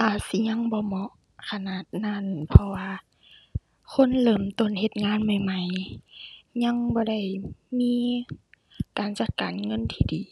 อาจสิยังบ่เหมาะขนาดนั้น เพราะว่าคนเริ่มต้นเฮ็ดงานใหม่ใหม่ ยังบ่ได้มีการจัดการเงินที่ดี